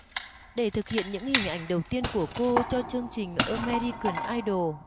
để thực hiện những hình ảnh đầu tiên của cô cho chương trình american idol